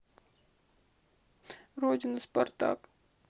родина спартак